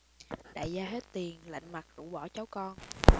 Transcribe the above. đại gia hết tiền lạnh mặt rũ bỏ cháu con